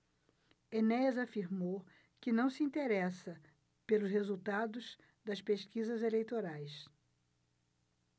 enéas afirmou que não se interessa pelos resultados das pesquisas eleitorais